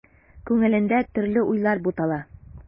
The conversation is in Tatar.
Күңелендә төрле уйлар бутала.